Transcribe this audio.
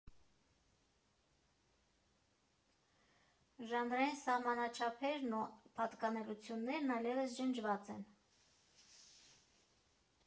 Ժանրային սահմանաչափերն ու պատկանելություններն այլևս ջնջված են.